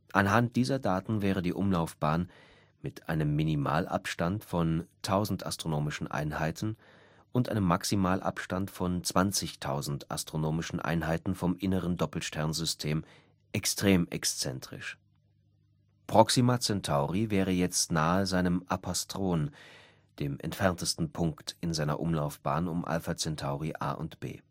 Anhand dieser Daten wäre die Umlaufbahn mit einem Minimalabstand von 1000 AE und einem Maximalabstand von 20.000 AE vom inneren Doppelsternsystem extrem exzentrisch. Proxima Centauri wäre jetzt nahe seinem Apastron (dem entferntesten Punkt in seiner Umlaufbahn um Alpha Centauri A und B